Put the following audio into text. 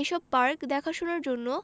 এসব পার্ক দেখাশোনার জন্য